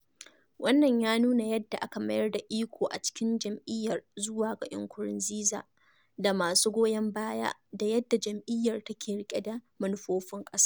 Wannan ya nuna yadda aka mayar da iko a cikin jam'iyyar zuwa ga Nkurunziza da masu goyon baya, da yadda jam'iyyar take riƙe da manufofin ƙasa.